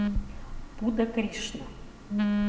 будда кришна